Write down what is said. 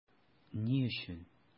Ни өчен?